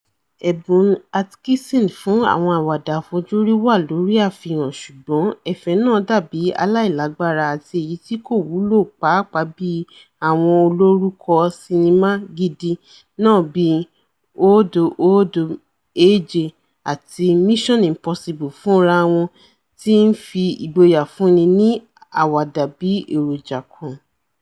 Ẹ̀bùn Atkinson fún àwàdà àfojúrí wà lórí àfihàn, ṣùgbọ́n ẹ̀fẹ̀ náà dàbí aláìlágbárá àti èyití kò wúlò papàá bí àwọn olórúkọ sinnimá ''gidi'' náà bíi 007 àti Mission Impossible fúnrawọn ti ńfi ìgboyà fúnni ní àwàdà bí èròja kan.